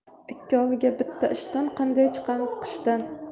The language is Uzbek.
ikkovga bitta ishton qanday chiqamiz qishdan